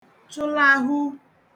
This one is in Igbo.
chụlahu